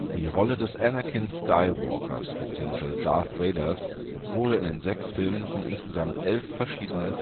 Die Rolle des Anakin Skywalkers/Darth Vader wurde in den sechs Filmen von insgesamt elf verschiedenen